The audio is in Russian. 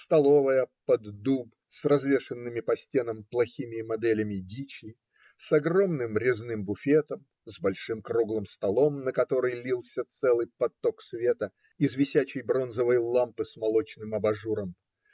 столовая "под дуб" с развешанными по стенам плохими моделями дичи, с огромным резным буфетом, с большим круглым столом, на который лился целый поток света из висячей бронзовой лампы с молочным абажуром